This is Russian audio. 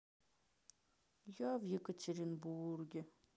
я в екатеринбурге